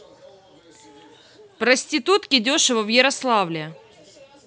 проститутки дешево в ярославле